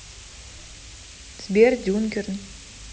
сбер дюнкерк